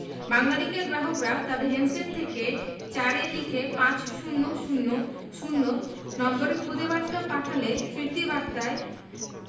বাংলালিংকের গ্রাহকরা তাদের হ্যান্ডসেট থেকে ৪ এ লিখে পাঁচ শূণ্য শূণ্য শূণ্য নম্বরে খুদে বার্তা পাঠালে ফিরতি বার্তায়